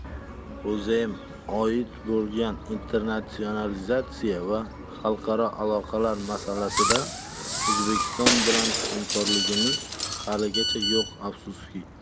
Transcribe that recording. o'zim oid bo'lgan internatsionalizatsiya va xalqaro aloqalar masalasida o'zbekiston bilan hamkorligimiz haligacha yo'q afsuski